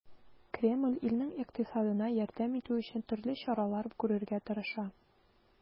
Кремль илнең икътисадына ярдәм итү өчен төрле чаралар күрергә тырыша.